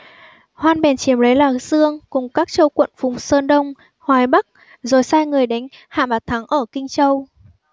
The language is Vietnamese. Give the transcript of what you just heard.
hoan bèn chiếm lấy lạc dương cùng các châu quận vùng sơn đông hoài bắc rồi sai người đánh hạ bạt thắng ở kinh châu